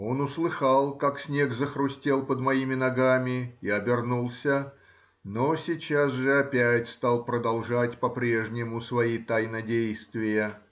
он услыхал, как снег захрустел под моими ногами, и обернулся, но сейчас же опять стал продолжать по-прежнему свои тайнодействия.